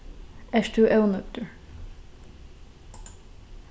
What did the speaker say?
ert tú ónøgdur